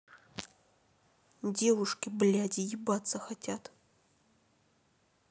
девушки бляди ебаться хотят